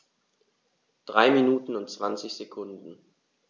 3 Minuten und 20 Sekunden